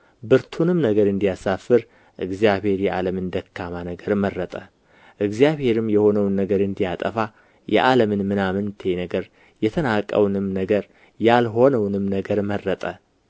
ብርቱንም ነገር እንዲያሳፍር እግዚአብሔር የዓለምን ደካማ ነገር መረጠ እግዚአብሔርም የሆነውን ነገር እንዲያጠፋ የዓለምን ምናምንቴ ነገር የተናቀውንም ነገር ያልሆነውንም ነገር መረጠ